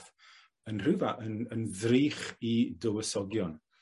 yn rhyw fa- yn yn ddrych i dywysogion.